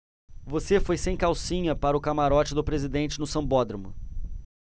você foi sem calcinha para o camarote do presidente no sambódromo